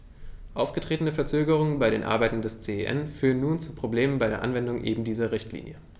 Aufgetretene Verzögerungen bei den Arbeiten des CEN führen nun zu Problemen bei der Anwendung eben dieser Richtlinie.